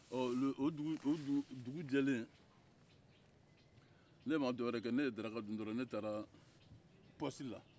dugu jɛlen ne ma dɔwɛrɛ ne ye daraka dun dɔrɔn ne taara pɔsiti la